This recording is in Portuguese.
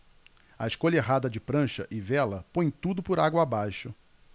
a escolha errada de prancha e vela põe tudo por água abaixo